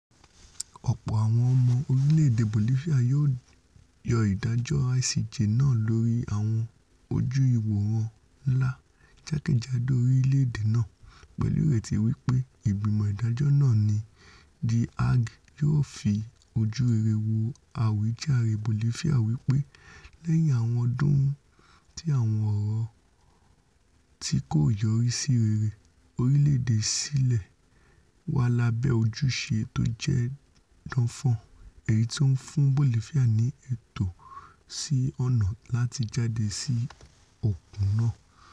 Ọ̀pọ̀ àwọn ọmọ orílẹ̀-èdè Bolifia yóô ìdájọ́ ICJ náà lórí àwọn ojú-ìwòran ńlá jáke-jádò orílẹ̀-èdè náà, pẹ̀lú ìrètí wí pé ìgbìmọ ìdájọ́ náà ní The Hague yóò fi ojú rere wo àwíjàre Bolifia wí pé - lẹ́yìn àwọn ọdún ti àwọn ọ̀rọ̀ tí kò yọrísí rere - orílẹ̀-èdè Ṣílè wà lábẹ́ ojúṣe tójẹ́ danfan èyití ó ńfún Bolifia ní ẹ̀tọ́ sí ọ̀nà láti jade sí òkun náà.